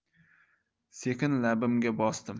sekin labimga bosdim